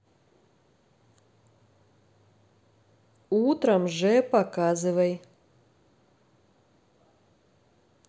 утром же показывай